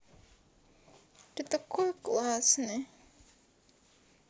ты такой классный